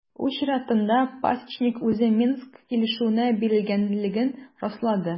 Үз чиратында Пасечник үзе Минск килешүенә бирелгәнлеген раслады.